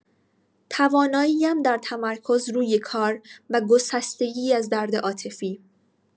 توانایی‌ام در تمرکز روی کار و گسستگی از درد عاطفی